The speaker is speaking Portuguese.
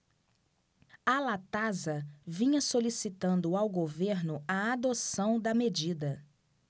a latasa vinha solicitando ao governo a adoção da medida